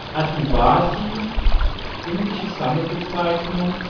Adivasi (indische Sammelbezeichnung